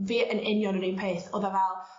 fi yn union yr un peth o'dd e fel